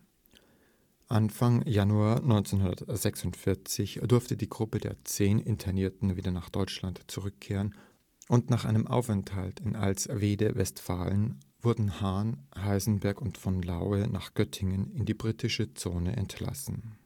Anfang Januar 1946 durfte die Gruppe der zehn Internierten wieder nach Deutschland zurückkehren, und nach einem Aufenthalt in Alswede (Westfalen) wurden Hahn, Heisenberg und von Laue nach Göttingen in die britische Zone entlassen